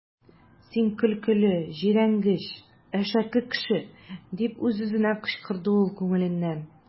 Син көлкеле, җирәнгеч, әшәке кеше! - дип үз-үзенә кычкырды ул күңеленнән.